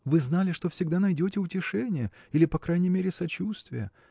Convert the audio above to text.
вы знали, что всегда найдете утешение или, по крайней мере, сочувствие